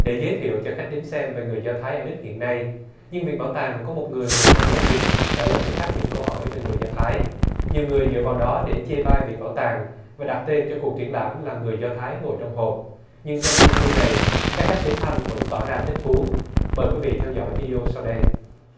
để giới thiệu cho khách đến xem và người do thái ở đức hiện nay nhưng viện bảo tàng có một người ngồi trong lồng kính trả lời cho khách những câu hỏi về người do thái nhiều người dựa vào đó để chê bai viện bảo tàng và đặt tên cho cuộc triển lãm là người do thái ngồi trong hộp nhưng trong vi đi ô này các khách đến thành vẫn tỏ ra thích thú bởi quý vị theo dõi vi đi ô sau đây